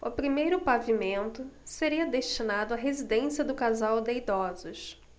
o primeiro pavimento seria destinado à residência do casal de idosos